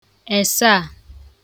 èsaà